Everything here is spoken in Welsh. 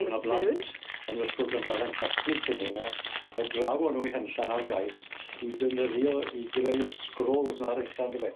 Ma' 'na blant yn yr ysgol gynradd yn casglu'r tinie 'ne a do' draw â nw i Henllan ar gais i'w defnyddio i greu'r sgrols 'ma ar ucha on'd yfe?